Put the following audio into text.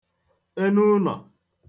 enuụnọ̀